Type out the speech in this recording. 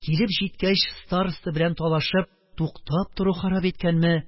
Килеп җиткәч, староста белән талашып, туктап тору харап иткәнме? -